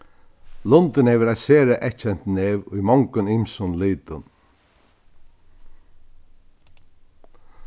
lundin hevur eitt sera eyðkent nev í mongum ymsum litum